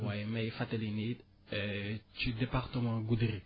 waaye may fàttali ne it ci département Goudiri